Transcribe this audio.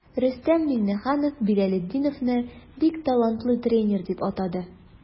Рөстәм Миңнеханов Билалетдиновны бик талантлы тренер дип атады.